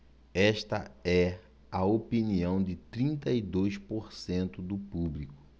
esta é a opinião de trinta e dois por cento do público